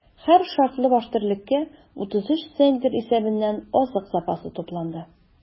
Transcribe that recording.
Һәр шартлы баш терлеккә 33 центнер исәбеннән азык запасы тупланды.